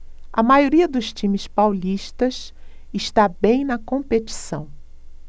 a maioria dos times paulistas está bem na competição